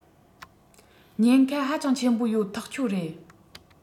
ཉེན ཁ ཧ ཅང ཆེན པོ ཡོད ཐག ཆོད རེད